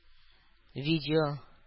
Видео